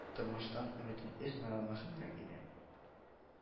Тормыштан өметен өзмәве мөһимрәк иде